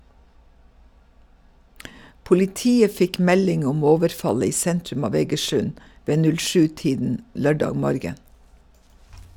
Politiet fikk melding om overfallet i sentrum av Egersund ved 07-tiden lørdag morgen.